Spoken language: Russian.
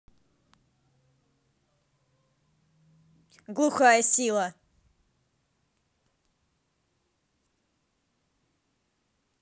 глухая сила